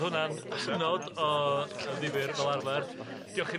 ...hwnna'n hynod o yy ddifyr fel arfer. Diolch i